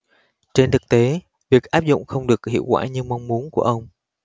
trên thực tế việc áp dụng không được hiệu quả như mong muốn của ông